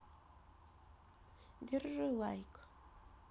держи лайк